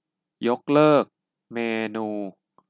ยกเลิกเมนู